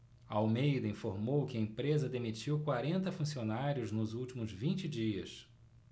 almeida informou que a empresa demitiu quarenta funcionários nos últimos vinte dias